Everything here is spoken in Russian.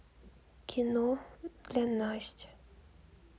кино для насти